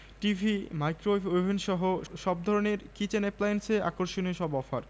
TV microwave ওভেনসহ সব ধরনের কিচেন অ্যাপ্লায়েন্সে আকর্ষণীয় সব অফার